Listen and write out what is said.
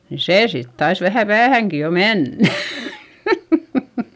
niin se sitten taisi vähän päähänkin jo mennä